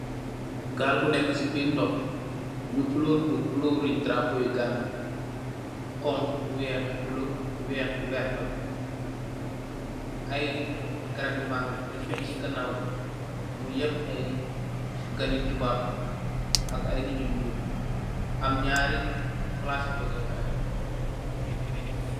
Gaal bu nekuh si birr ndox nyu couleur ku drapor ri gambie xhong khu bulah wekh werta aye garap bi mango di fenye si kanaw mu yepp aye ganih tubab ak aye nit yu nyul ak mungi am aye toguh